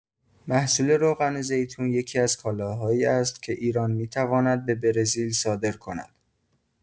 محصول روغن‌زیتون یکی‌از کالاهایی است که ایران می‌تواند به برزیل صادر کند.